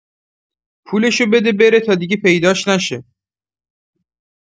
پولشو بده بره تا دیگه پیداش نشه